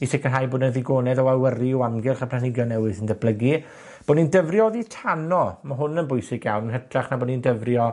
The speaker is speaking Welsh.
i sicirhau bo' 'na ddigonedd o awyru o amgylch y planhigion newydd yn datblygu. Bo' ni'n dyfrio oddi tano. Ma' hwn yn bwysig iawn. Yn hytrach na bo' ni'n dyfrio